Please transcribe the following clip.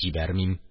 Җибәрмим»